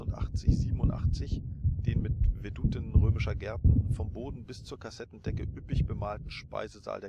1686 / 87 den mit Veduten römischer Gärten vom Boden bis zur Kassettendecke üppig bemalten Speisesaal